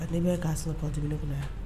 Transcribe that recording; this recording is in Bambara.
A ni bɛ ka sɔrɔ tɔntigi kɔnɔ yan.